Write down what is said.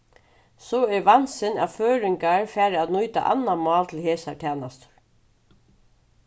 so er vansin at føroyingar fara at nýta annað mál til hesar tænastur